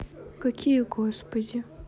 какие господи